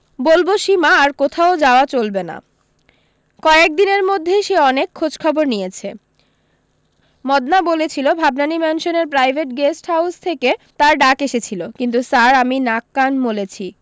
বলবো সীমা আর কোথাও যাওয়া চলবে না কয়েক দিনের মধ্যেই সে অনেক খোঁজখবর নিয়েছে মদনা বলেছিল ভাবনানি ম্যানসনের প্রাইভেট গেষ্ট হাউস থেকে তার ডাক এসেছিল কিন্তু স্যার আমি নাক কান মলছি